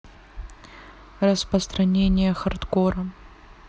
распространение хардкора